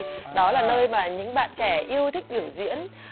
đó là nơi mà những bạn trẻ yêu thích biểu diễn